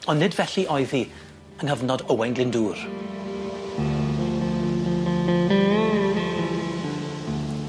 Nid felly oedd hi yng nghyfnod Owain Glyndwr.